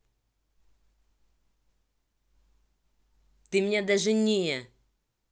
ты меня даже не